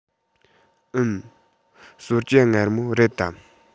འུན གསོལ ཇ མངར མོ རེད དམ